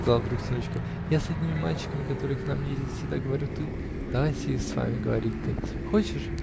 -- сказала вдруг Сонечка, -- я с одними мальчиками, которые к нам ездят, всегда говорю ты давайте и с вами говорить ты. Хочешь?